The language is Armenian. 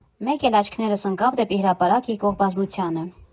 Մեկ էլ աչքներս ընկավ դեպի հրապարակ եկող բազմությանը.